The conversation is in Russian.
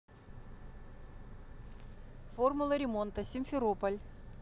формула ремонта симферополь